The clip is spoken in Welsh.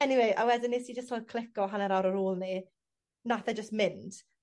Eniwe a wedyn nes i jyst fel clico hanner awr ar ôl 'ny nath e jyst mynd.